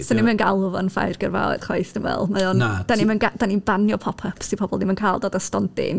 'Swn i'm yn galw fo'n ffair gyrfaoedd chwaith dwi'n feddwl. Mae o'n... dan ni'm yn ga-... dan ni'n banio pop-ups. Di' pobl ddim yn cael dod â stondin.